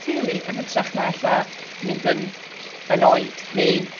rili yn hytrach na ella mynd yn yn oed neu...